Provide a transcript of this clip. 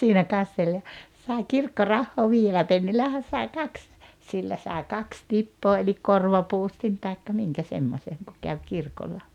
siinä kasteli ja sain kirkkorahaa viidellä pennillähän sai kaksi sillä sai kaksi tippaa eli korvapuustin tai minkä semmoisen kun kävi kirkolla